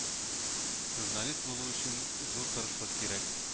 Журналист булу өчен зур тырышлык кирәк.